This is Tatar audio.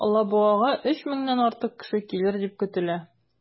Алабугага 3 меңнән артык кеше килер дип көтелә.